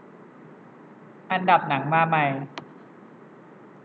อันดับหนังมาใหม่